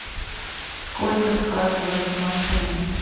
сколько сказываются машины